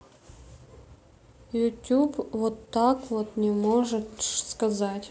youtube вот так вот не можешь сказать